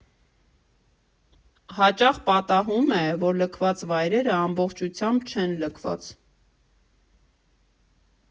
Հաճախ պատահում է, որ լքված վայրերը ամբողջությամբ չեն լքված։